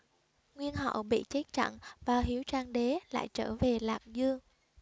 nguyên hạo bị chết trận và hiếu trang đế lại trở về lạc dương